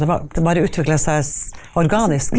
det var det bare utvikla seg organisk?